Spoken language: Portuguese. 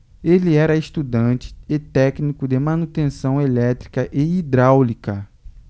ele era estudante e técnico de manutenção elétrica e hidráulica